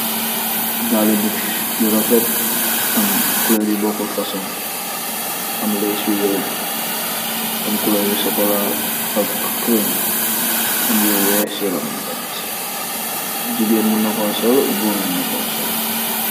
Daali buds yu refet aam colur yu bogut fosong aam lees yu weex aam colur yu chocola ak cream aam lu weex si runam tamit jigeen mun nako sool goor mun nako sool.